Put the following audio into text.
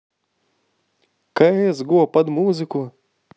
cs go под музыку